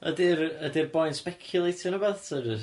Ydi'r ydi'r boi yn speculatio rwbath ta jyst?